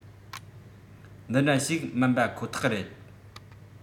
འདི འདྲ ཞིག མིན པ ཁོ ཐག རེད